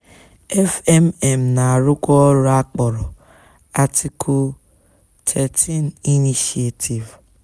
FMM na-arụkwa ọrụ akpọrọ "Article13 Initiative"?